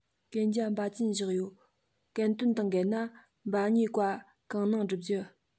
གན རྒྱ འབའ ཅན བཞག ཡོད གན དོན དང འགའ ན འབའ ཉེས བཀའ གང གནང སྒྲུབ རྒྱུ